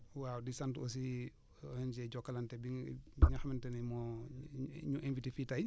waaw di sant aussi ONG Jokalante bi ñu bi nga xamante ne moo ñu invité fii tey